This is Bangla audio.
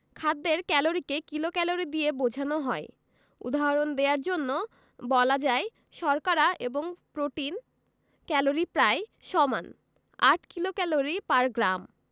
খাদ্যের ক্যালরিকে কিলোক্যালরি দিয়ে বোঝানো হয় উদাহরণ দেয়ার জন্যে বলা যায় শর্করা এবং প্রোটিন ক্যালরি প্রায় সমান ৮ কিলোক্যালরি পার গ্রাম